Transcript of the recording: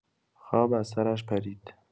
خواب از سرش پرید.